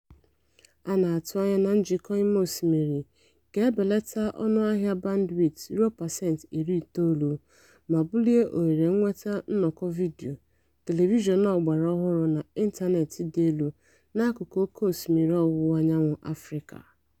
A na-atụ anya na njikọ ime osimiri ga-ebelata ọnụahịa bandwit ruo pasenti 90 ma bulie ohere nnweta nnọkọ vidiyo, telivishọn ọgbaraọhụrụ na ịntaneetị dị elu n'akụkụ oke osimiri ọwụwaanyanwụ Afrịka.